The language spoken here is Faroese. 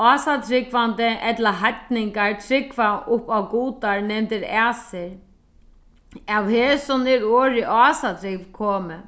ásatrúgvandi ella heidningar trúgva upp á gudar nevndir æsir av hesum er orðið ásatrúgv komið